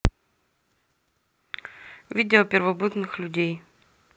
видео о первобытных людей